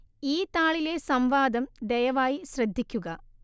ഈ താളിലെ സംവാദം ദയവായി ശ്രദ്ധിക്കുക